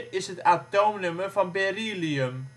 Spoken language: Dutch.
is het atoomnummer van beryllium